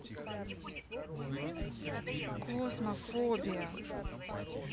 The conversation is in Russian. kosmo фобия